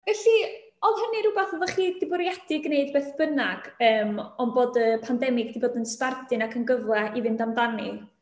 Felly, oedd hynny'n rhywbeth oeddech chi 'di bwriadu gwneud beth bynnag, yym, ond bod y pandemig wedi bod yn sbardun ac yn gyfle i fynd amdani?